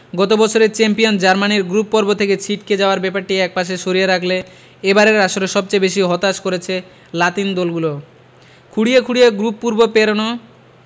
গতবছরের champion জার্মানির গ্রুপপর্ব থেকে ছিটকে যাওয়ার ব্যাপারটি একপাশে সরিয়ে রাখলে এবারের আসরে সবচেয়ে বেশি হতাশ করেছে লাতিন দলগুলো খুঁড়িয়ে খুঁড়িয়ে গ্রুপপর্ব পেরনো